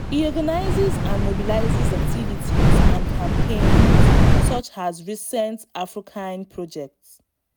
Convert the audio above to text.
He organizes and mobilizes activities and campaigns such as the recent AfroCine project.